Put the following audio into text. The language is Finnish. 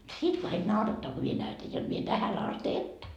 sitten kaikki naurattaa kun minä näytän jotta minä tähän asti että